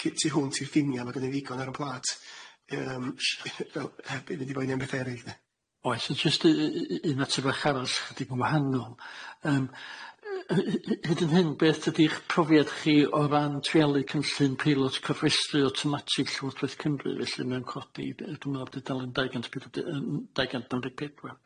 sy tu hwnt i ffinia ma gano ni ddigon ar y plat fel heb i ni boeni am betha erill. Oes jyst u- u- u- un mater bach arall dip- gwahnaol, yym hy- hy- hyd yn hyn beth ydych profiad chi o ran trialu cynllun peliot cofrestu awtomatic Llywodrath Cymru felly yn codi ar yym dwi'n meddwl tudalen dau gant pum deg, dau gant pum deg pedwar?